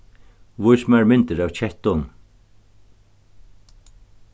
vís mær myndir av kettum